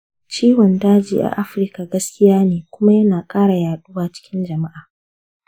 ciwon daji a africa gaskiya ne kuma yana kara yaduwa cikin jama'a.